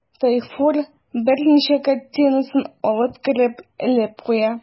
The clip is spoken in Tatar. Тайфур берничә картинасын алып кереп элеп куя.